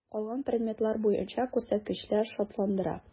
Калган предметлар буенча күрсәткечләр шатландыра.